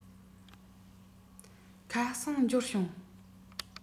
ཁ སང འབྱོར བྱུང